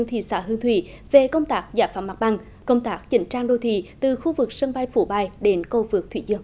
thị xã hương thủy về công tác giải phóng mặt bằng công tác chỉnh trang đô thị từ khu vực sân bay phú bài đến cầu vượt thủy dương